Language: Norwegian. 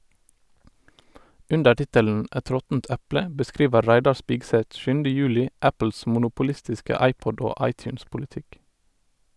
Under tittelen "Et råttent eple" beskriver Reidar Spigseth sjuende juli Apples monopolistiske iPod- og iTunes-politikk.